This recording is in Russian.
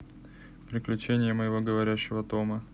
приключения моего говорящего тома